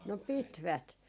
no pitivät